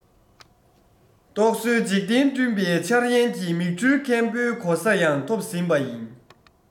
རྟོག བཟོའི འཇིག རྟེན བསྐྲུན པའི འཆལ ཡན གྱི མིག འཕྲུལ མཁན པོའི གོ ས ཡང ཐོབ ཟིན པ ཡིན